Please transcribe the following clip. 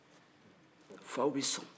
faw bi sɔn